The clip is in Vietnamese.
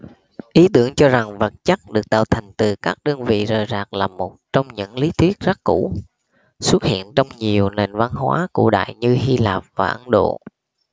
ý tưởng cho rằng vật chất được tạo thành từ các đơn vị rời rạc là một trong những lý thuyết rất cũ xuất hiện trong nhiều nền văn hóa cổ đại như hy lạp và ấn độ